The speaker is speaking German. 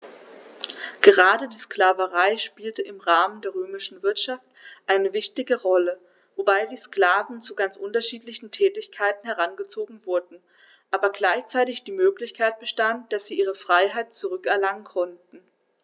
Gerade die Sklaverei spielte im Rahmen der römischen Wirtschaft eine wichtige Rolle, wobei die Sklaven zu ganz unterschiedlichen Tätigkeiten herangezogen wurden, aber gleichzeitig die Möglichkeit bestand, dass sie ihre Freiheit zurück erlangen konnten.